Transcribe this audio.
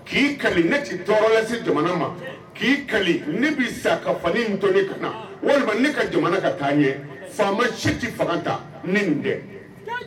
K'i ne tɛ tɔɔrɔlasi jamana ma k' bɛ ka walima ne ka jamana ka taa ye faama si tɛ fanga ta dɛ